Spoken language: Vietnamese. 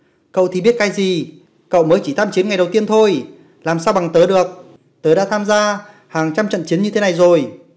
cậu thì biết cái gì cậu mới chỉ tham chiến ngày đầu tiên thôi làm sao bằng tớ được thớ đã tham gia hàng trăm trận như này rồi